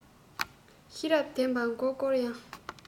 ཤེས རབ ལྡན པ མགོ བསྐོར ཡང